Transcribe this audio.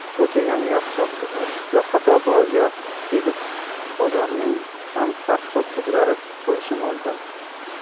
bu degani yo hisoblashda xato bor yo xiggs bozonining ham har xil turlari bo'lishi mumkin